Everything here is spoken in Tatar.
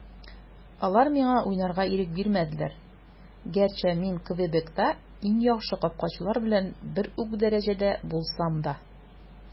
Алар миңа уйнарга ирек бирмәделәр, гәрчә мин Квебекта иң яхшы капкачылар белән бер үк дәрәҗәдә булсам да.